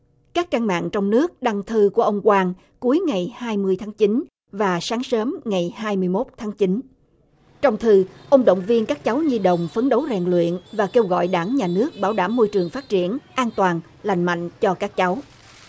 các trang mạng trong nước đăng thư của ông quang cuối ngày hai mươi tháng chín và sáng sớm ngày hai mươi mốt tháng chín trong thư ông động viên các cháu nhi đồng phấn đấu rèn luyện và kêu gọi đảng nhà nước bảo đảm môi trường phát triển an toàn lành mạnh cho các cháu